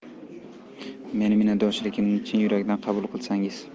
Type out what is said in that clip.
meni minnatdorchiligimni chin yurakdan qabul qilsangiz